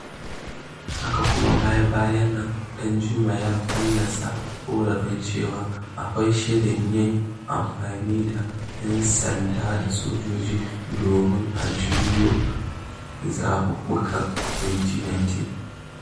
Haka kuma, a baya-bayan nan ɗanjuma ya fallasa ƙorafin cewa akwai shirin yi amfani da "'yan sanda da sojoji" domin a juya zaɓuɓɓukan 2019.